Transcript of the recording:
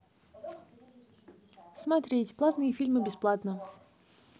смотреть платные фильмы бесплатно